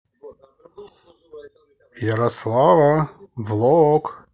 ярослава влог